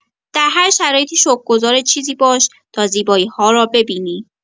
در هر شرایطی شکرگزار چیزی باش تا زیبایی‌ها را ببینی.